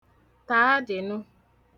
tàadìnu